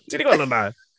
Ti 'di gweld hwnna?